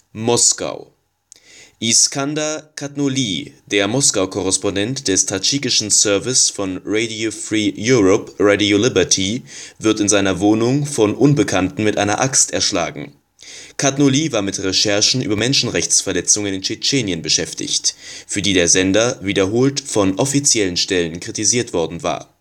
Moskau: Iskandar Chatlonij, der Moskau-Korrespondent des tadschikischen Service von Radio Free Europe/Radio Liberty, wird in seiner Wohnung von Unbekannten mit einer Axt erschlagen. Chatlonij war mit Recherchen über Menschenrechtsverletzungen in Tschetschenien beschäftigt, für die der Sender wiederholt von offiziellen Stellen kritisiert worden war